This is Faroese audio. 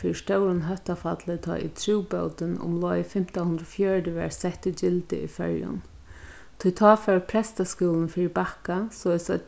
fyri stórum hóttafalli tá ið trúbótin umleið fimtan hundrað og fjøruti varð sett í gildi í føroyum tí tá fór prestaskúlin fyri bakka soleiðis at